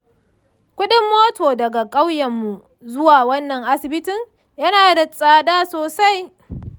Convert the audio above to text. kuɗin mota daga ƙauyenmu zuwa wannan asibitin yana da tsada sosai.